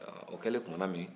ɔ o kɛlen tumana min